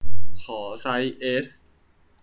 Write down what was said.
ขอไซส์เอส